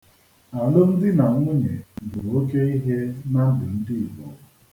Alụmdinanwunye bụ oke ihe na ndụ ndị Igbo.